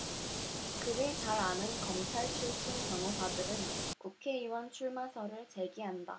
그를 잘 아는 검찰 출신 변호사들은 국회의원 출마설을 제기한다